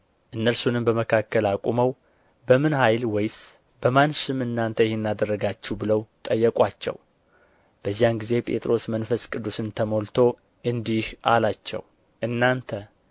እነርሱንም በመካከል አቁመው በምን ኃይል ወይስ በማን ስም እናንተ ይህን አደረጋችሁ ብለው ጠየቁአቸው በዚያን ጊዜ ጴጥሮስ መንፈስ ቅዱስንም ተሞልቶ እንዲህ አላቸው እናንተ